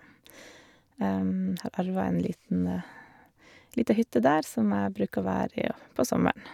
Har arva en liten lita hytte der som jeg bruker å være i og på sommeren.